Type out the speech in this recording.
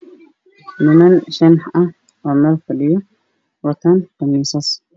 Niman shan ah oo meel fadhiyo watan qamisyo